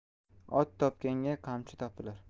ot topganga qamchi topilar